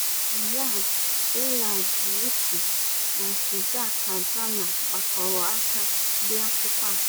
Riyadh Al Balushi na Sadeek Hasna gbakọrọ aka dee akụkọ a.